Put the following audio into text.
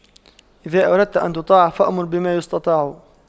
إذا أردت أن تطاع فأمر بما يستطاع